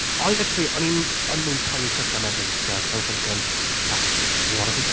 Ond literally, o'n i'n, o'n i'n poeni sut gymaint neithiwr, 'cause I was thinking fuck, what are they...